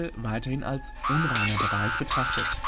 weiterhin als „ unreiner “Bereich betrachtet